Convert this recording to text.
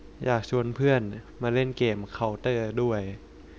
อยากชวนเพื่อนมาเล่นเกมเค้าเตอร์ด้วย